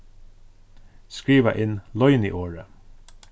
skriva inn loyniorðið